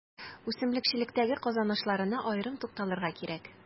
Үсемлекчелектәге казанышларына аерым тукталырга кирәк.